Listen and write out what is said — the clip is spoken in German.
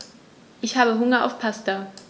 Ich habe Hunger auf Pasta.